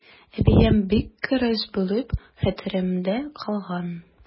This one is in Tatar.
Әбием бик кырыс булып хәтеремдә калган.